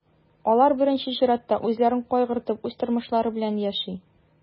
Алар, беренче чиратта, үзләрен кайгыртып, үз тормышлары белән яши.